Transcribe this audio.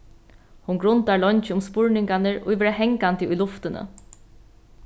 hon grundar leingi um spurningarnir ið verða hangandi í luftini